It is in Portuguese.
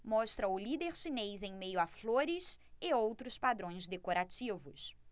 mostra o líder chinês em meio a flores e outros padrões decorativos